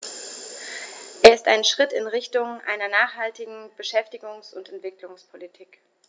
Er ist ein Schritt in Richtung einer nachhaltigen Beschäftigungs- und Entwicklungspolitik.